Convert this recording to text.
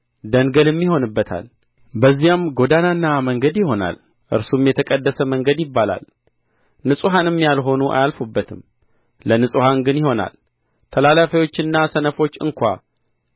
ደንገልም ይሆንበታል በዚያም ጐዳናና መንገድ ይሆናል እርሱም የተቀደሰ መንገድ ይባላል ንጹሐንም ያልሆኑ አያልፉበትም ለንጹሐን ግን ይሆናል ተላላፊዎችና ሰነፎች እንኳ